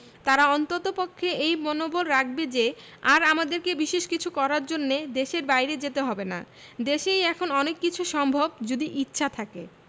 তারা অন্ততপক্ষে এই মনোবল রাখবে যে আর আমাদেরকে বিশেষ কিছু করার জন্য দেশের বাইরে যেতে হবে না দেশেই এখন অনেক কিছু সম্ভব যদি ইচ্ছা থাকে